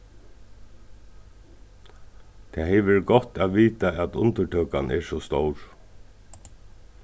tað hevur verið gott at vita at undirtøkan er so stór